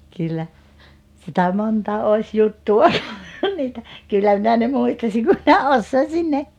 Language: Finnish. kyllä sitä monta olisi juttua niitä kyllä minä ne muistaisin kun minä osaisin ne